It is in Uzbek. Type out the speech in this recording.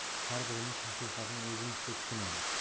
har birimiz haqiqatni o'zimizcha tushunamiz